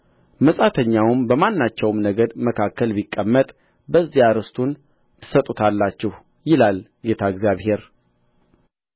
መጻተኛውም በማናቸውም ነገድ መካከል ቢቀመጥ በዚያ ርስቱን ትሰጡታላችሁ ይላል ጌታ እግዚአብሔር